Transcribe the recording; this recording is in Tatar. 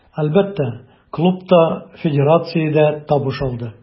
Әлбәттә, клуб та, федерация дә табыш алды.